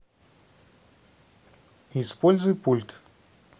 используй пульт